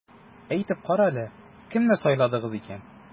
Әйтеп кара әле, кемне сайладыгыз икән?